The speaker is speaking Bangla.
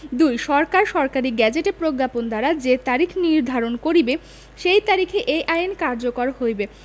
২ সরকার সরকারী গেজেটে প্রজ্ঞাপন দ্বারা যে তারিখ নির্ধারণ করিবে সেই তারিখে এই আইন কার্যকর হইবে